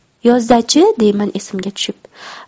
yozda chi deyman esimga tushib